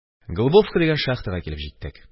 Голубовка дигән шахтага килеп җиттек.